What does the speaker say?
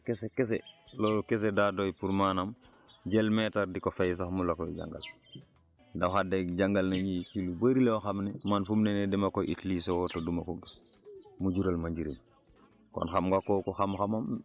ndax wax dëgg luñ ñuy jàngal kese kese kese loolu kese daa doy pour maanaam jël maitre di ko fay sax mu la koy jàngal ndax wax dëgg jàngal nañu ci lu bëri loo xam ne man fu mu ne nii dama koy utiliser te du ma ko gis mu jural ma njëriñ